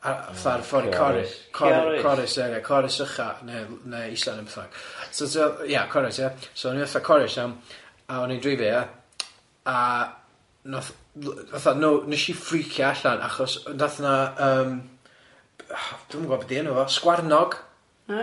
A- fatha'r ffordd i Corus Cor- Corus ia Corus ucha neu l- neu isa neu beth bynnag so tibod ia Corus ia so o'n i fatha' Corus iawn, a o'n i'n dreifio ia a nath l- fatha no nes i ffricio allan achos nath yna yym, oh dwi'm yn gwbod be' di enw fo sgwarnog... O ia.